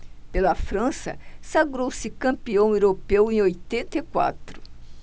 pela frança sagrou-se campeão europeu em oitenta e quatro